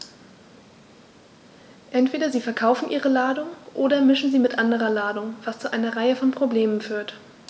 Entweder sie verkaufen ihre Ladung oder mischen sie mit anderer Ladung, was zu einer Reihe von Problemen führt.